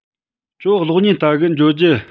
ཁྱོད གློག བརྙན ལྟ གི འགྱོ རྒྱུ